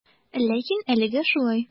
Ләкин әлегә шулай.